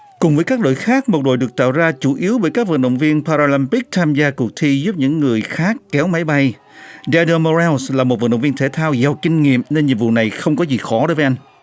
cùng với các đội khác một đội được tạo ra chủ yếu bởi các vận động viên pa ra lam píc tham gia cuộc thi giúp những người khác kiểu máy bay đe đơ mô leo là một vận động viên thể thao giàu kinh nghiệm nên nhiệm vụ này không có gì khó đối với anh